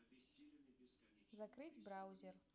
закрыть браузер